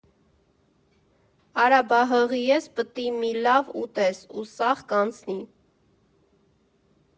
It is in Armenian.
Արա բա հղի ես, պտի մի լա՜վ ուտես, ու սաղ կանցնի։